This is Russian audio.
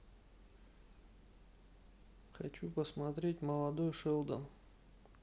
хочу посмотреть молодой шелдон